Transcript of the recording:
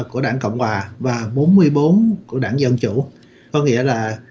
của đảng cộng hòa và bốn mươi bốn của đảng dân chủ có nghĩa là